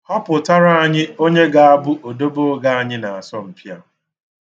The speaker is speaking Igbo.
Họpụtara anyị onye ga-abụ òdeboògè anyị na asọmpi a.